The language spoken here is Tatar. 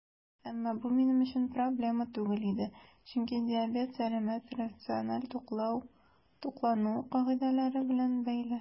Әмма бу минем өчен проблема түгел иде, чөнки диабет сәламәт, рациональ туклану кагыйдәләре белән бәйле.